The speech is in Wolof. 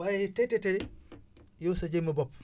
waaye tay tay tay yow sa jëmmu bopp